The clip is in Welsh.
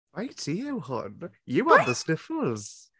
Bai ti yw hwn! You had the sniffles!